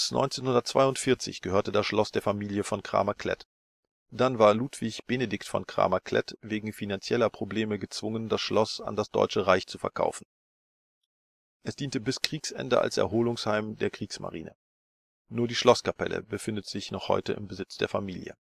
1942 gehörte das Schloss der Familie von Cramer-Klett, dann war Ludwig Benedikt von Cramer-Klett wegen finanzieller Probleme gezwungen, das Schloss an das Deutsche Reich zu verkaufen. Es diente bis Kriegsende als Erholungsheim der Kriegsmarine. Nur die Schlosskapelle befindet sich noch im Besitz der Familie